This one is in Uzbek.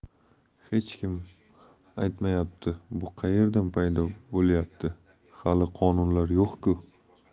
hech kim aytmayapti bu qayerdan paydo bo'lyapti hali qonunlar yo'q ku